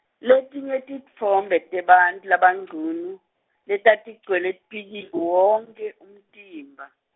letinye titfombe tebantfu labangcunu, letatigcwele tipi- wonkhe umtimba.